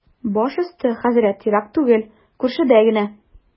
Баш өсте, хәзрәт, ерак түгел, күршедә генә.